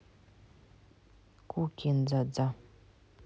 ку кин дза дза